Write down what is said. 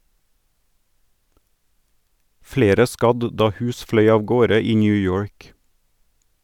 Flere ble skadd da hus fløy av gårde i New York.